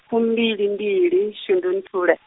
fumbilimbili shundunthule.